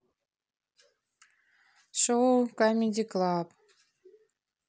шоу камеди клаб